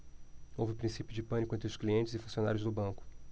houve princípio de pânico entre os clientes e funcionários do banco